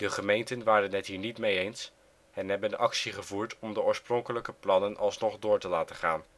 gemeenten waren het hier niet mee eens en hebben actie gevoerd om de oorspronkelijke plannen alsnog door te laten gaan